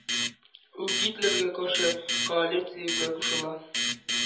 Ул гитлерга каршы коалициягә кушыла.